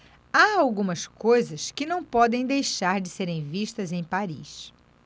há algumas coisas que não podem deixar de serem vistas em paris